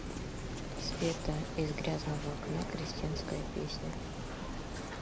sveta из грязного окна крестьянская песня